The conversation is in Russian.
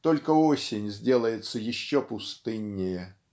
только осень сделается еще пустыннее